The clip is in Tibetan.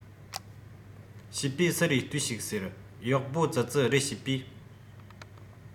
བྱས པས སུ རེད ལྟོས ཤོག ཟེར གཡོག པོ ཙི ཙི རེད བྱས པས